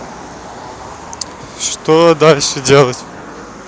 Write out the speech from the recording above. что дальше делать